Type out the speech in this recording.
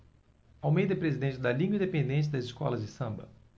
almeida é presidente da liga independente das escolas de samba